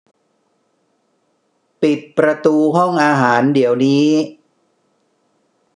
ปิดประตูห้องอาหารเดี๋ยวนี้